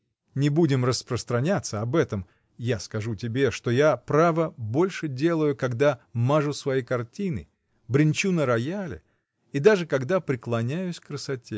Не будем распространяться об этом, а скажу тебе, что я, право, больше делаю, когда мажу свои картины, бренчу на рояле и даже когда поклоняюсь красоте.